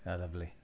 Ie, lyfli.